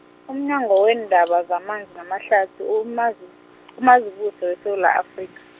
umnyango weendaba zamanzi namahlathi umazi-, uMazibuse weSewula Afrika.